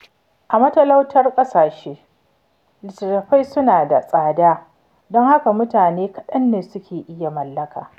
A matalautan ƙasashe, litattafai suna da tsada, don haka mutane kaɗan ne suke iya mallaka.